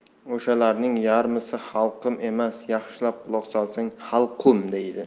o'shalarning yarmisi xalqim emas yaxshilab quloq solsang xalqum deydi